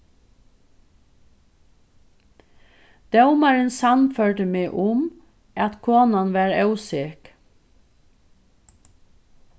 dómarin sannførdi meg um at konan var ósek